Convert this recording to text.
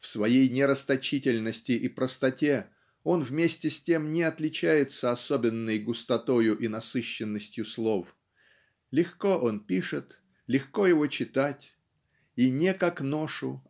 В своей нерасточительности и простоте он вместе с тем не отличается особенной густотою и насыщенностью слов легко он пишет легко его читать и не как ношу